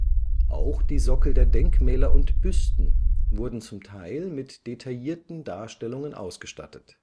Auch die Sockel der Denkmäler und Büsten wurden zum Teil mit detaillierten Darstellungen ausgestattet